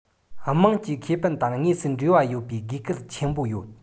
དམངས ཀྱི ཁེ ཕན དང དངོས སུ འབྲེལ བ ཡོད པས དགོས གལ ཆེན པོ ཡོད